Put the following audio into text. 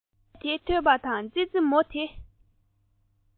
སྐད དེ ཐོས པ དང ཙི ཙི མོ དེ